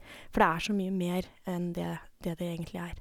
For det er så mye mer enn det det det egentlig er.